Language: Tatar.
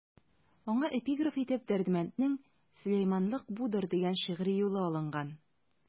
Аңа эпиграф итеп Дәрдмәнднең «Сөләйманлык будыр» дигән шигъри юлы алынган.